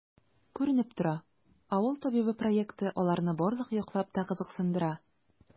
Күренеп тора,“Авыл табибы” проекты аларны барлык яклап та кызыксындыра.